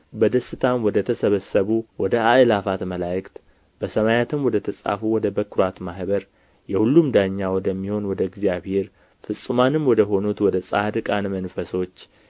በደስታም ወደ ተሰበሰቡት ወደ አእላፋት መላእክት በሰማያትም ወደ ተጻፉ ወደ በኵራት ማኅበር የሁሉም ዳኛ ወደሚሆን ወደ እግዚአብሔር ፍጹማንም ወደ ሆኑት ወደ ጻድቃን መንፈሶች